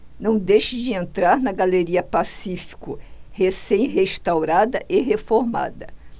não deixe de entrar na galeria pacífico recém restaurada e reformada